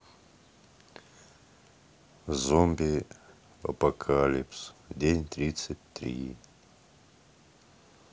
zombie apocalypse день тридцать три